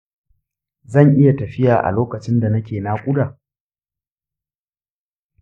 zan iya tafiya a lokacin da nake nakuda